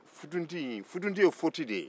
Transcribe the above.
futunti in futunti ye fili de ye